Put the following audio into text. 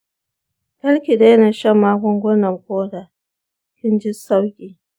kar ki daina shan magungunan koda kin ji sauƙi.